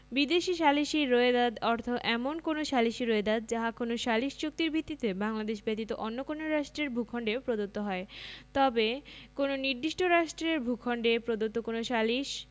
বিদেশী সালিসী রোয়েদাদ অর্থ এমন কোন সালিসী রোয়েদাদ যাহা কোন সালিস চুক্তির ভিত্তিতে বাংলাদেশ ব্যতীত অন্য কোন রাষ্ট্রের ভূখন্ডে প্রদত্ত হয় তবে কোন নির্দিষ্ট রাষ্ট্রের ভূখন্ডে প্রদত্ত কোন সালিস